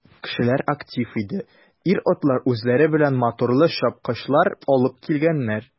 Кешеләр актив иде, ир-атлар үзләре белән моторлы чапкычлар алыпн килгәннәр.